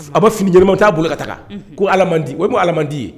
A bɔ finijma t'a bolo ka taa kodi o bɛdi ye